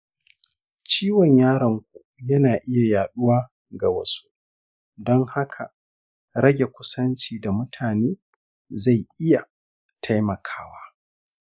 ciwon yaronku yana iya yaɗuwa ga wasu, don haka rage kusanci da mutane zai iya taimakawa.